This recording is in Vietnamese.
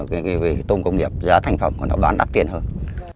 cái tôm công nghiệp giá thành phẩm đắt tiền hơn